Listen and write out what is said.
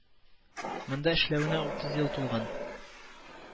Монда эшләвенә утыз ел тулган